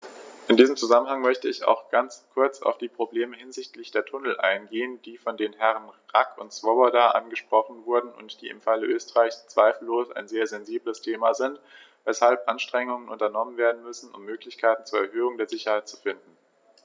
In diesem Zusammenhang möchte ich auch ganz kurz auf die Probleme hinsichtlich der Tunnel eingehen, die von den Herren Rack und Swoboda angesprochen wurden und die im Falle Österreichs zweifellos ein sehr sensibles Thema sind, weshalb Anstrengungen unternommen werden müssen, um Möglichkeiten zur Erhöhung der Sicherheit zu finden.